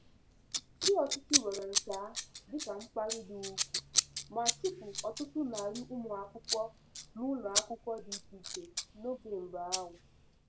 Ndị ọchịchị weere nke a dịka mkparị dị ukwuu ma chụpụ ọtụtụ narị ụmụakwụkwọ n'ụlọakwụkwọ dị icheiche n'ofe mba ahụ.